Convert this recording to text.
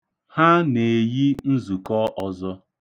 Ha na-eyi nzụkọ ọzọ.